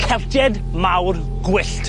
Celtied mawr gwyllt.